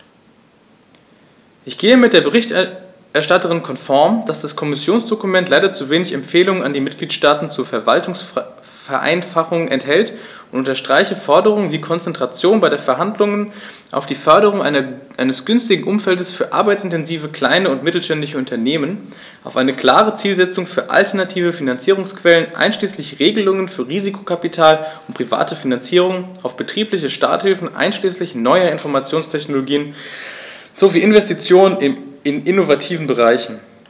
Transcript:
Ich gehe mit der Berichterstatterin konform, dass das Kommissionsdokument leider zu wenig Empfehlungen an die Mitgliedstaaten zur Verwaltungsvereinfachung enthält, und unterstreiche Forderungen wie Konzentration bei Verhandlungen auf die Förderung eines günstigen Umfeldes für arbeitsintensive kleine und mittelständische Unternehmen, auf eine klare Zielsetzung für alternative Finanzierungsquellen einschließlich Regelungen für Risikokapital und private Finanzierung, auf betriebliche Starthilfen einschließlich neuer Informationstechnologien sowie Investitionen in innovativen Bereichen.